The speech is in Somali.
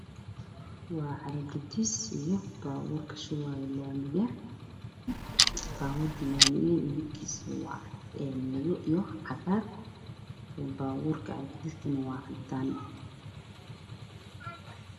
Waa carro gadis iyo baabuurka shubaayo laamiga midabkiisu waa madow iyo cagaar, baabuurka carro gadiska waa cadaan.